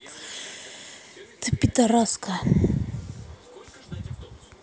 ты пидораска